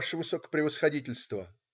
Ваше Высокопревосходительство".